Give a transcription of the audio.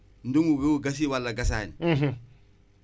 en ce moment